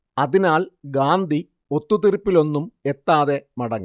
അതിനാൽ ഗാന്ധി ഒത്തുതീർപ്പിലൊന്നും എത്താതെ മടങ്ങി